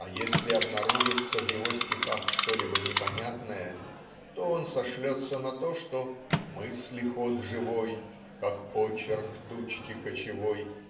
А если обнаружится в его стихах что-либо непонятное то он сошлется на то что "мысли ход живой как очерк тучки кочевой